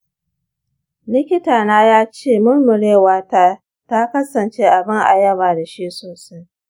likitana ya ce murmurewata ta kasance abin a yaba da shi sosai